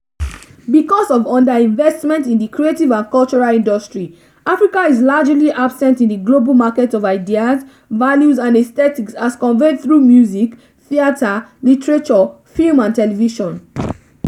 Because of underinvestment in the creative and cultural industries, Africa is largely absent in the global market of ideas, values and aesthetics as conveyed through music, theater, literature, film and television.